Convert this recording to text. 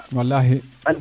walahi